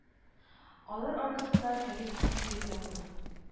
Алар арасында Кәрим Тинчурин дә була.